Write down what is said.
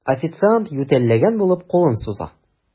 Официант, ютәлләгән булып, кулын суза.